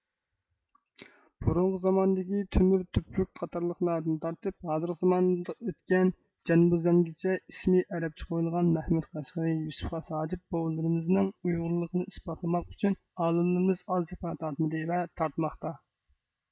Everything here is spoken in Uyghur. بۇرۇنقى زاماندىكى تۆمۈر تۆبرۈك قاتارلىقلاردىن تارتىپ ھازىرقى زاماندا ئۆتكەن جەنبوزەنگىچە ئىسمى ئەرەپچە قويۇلغان مەخمۇت قەشقىرى يۈسۈپ خاس ھاجىپ بوۋىلىرىمىزنىڭ ئۇيغۇرلىقىنى ئىسپاتلىماق ئۈچۈن ئالىملىرىمىز ئاز جاپا تارتمىدى ۋە تارتماقتا